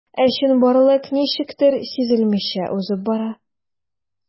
Ә чынбарлык ничектер сизелмичә узып бара.